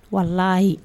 Wala ye